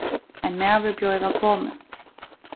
ein maður bjóðaði vælkomin